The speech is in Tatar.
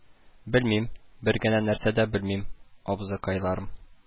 Белмим, бер генә нәрсә дә белмим, абзыкайларым